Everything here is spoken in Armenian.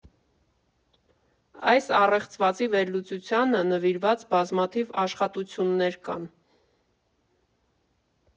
Այս առեղծվածի վերլուծությանը նվիրված բազմաթիվ աշխատություններ կան։